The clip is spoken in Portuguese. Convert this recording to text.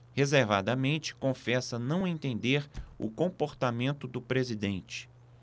reservadamente confessa não entender o comportamento do presidente